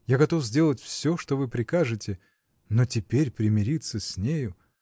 Я готов сделать все, что вы прикажете; но теперь примириться с нею!.